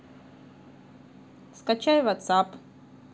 скачай whatsapp